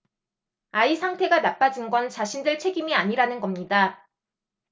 아이 상태가 나빠진 건 자신들 책임이 아니라는 겁니다